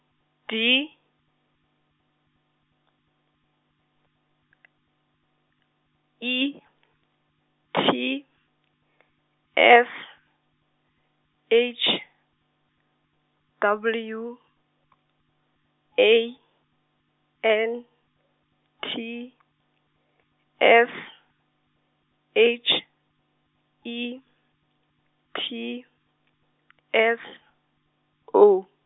D E T S H W A N T S H E T S O.